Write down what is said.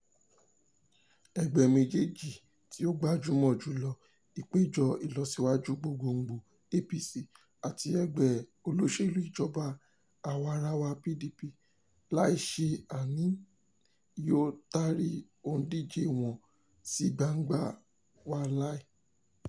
Ẹgbẹ́ méjèèjì tí ó gbajúmọ̀ jù lọ, Ìpéjọ Ìlọsíwájú Gbogboògbò APC àti Ẹgbẹ́-olóṣèlú Ìjọba-àwa-arawa PDP, láì ṣe àní-àní, yóò tari òǹdíje wọn sí gbangba wálíà: